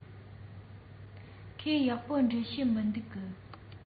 ཁོས ཡག པོ འབྲི ཤེས ཀྱི མིན འདུག